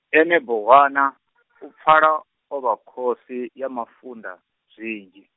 ene Bohwana, u pfala, o vha khosi ya mafunda, zwinzhi.